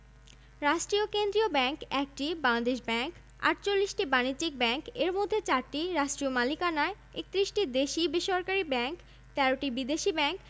রাষ্ট্রীয় কেন্দ্রীয় ব্যাংক ১টি বাংলাদেশ ব্যাংক ৪৮টি বাণিজ্যিক ব্যাংক এর মধ্যে ৪টি রাষ্ট্রীয় মালিকানায় ৩১টি দেশী বেসরকারি ব্যাংক ১৩টি বিদেশী ব্যাংক